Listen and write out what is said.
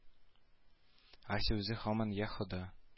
Ася үзе һаман йа хода